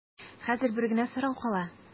Хәзер бер генә сорау кала.